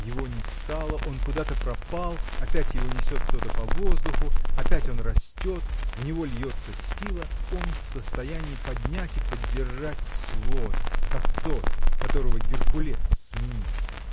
Его не стало, он куда-то пропал, опять его несет кто-то по воздуху, опять он растет, в него льется сила, он в состоянии поднять и поддержать свод, как тот, которого Геркулес сменил.